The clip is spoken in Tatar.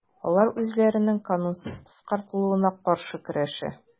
Алар үзләренең канунсыз кыскартылуына каршы көрәшә.